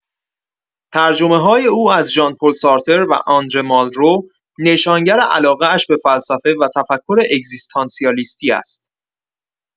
ترجمه‌های او از ژان‌پل سارتر و آندره مالرو نشانگر علاقه‌اش به فلسفه و تفکر اگزیستانسیالیستی است.